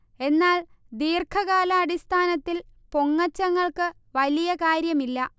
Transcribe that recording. എന്നാൽ ദീർഘകാല അടിസ്ഥാനത്തിൽ പൊങ്ങച്ചങ്ങൾക്ക് വലിയ കാര്യമില്ല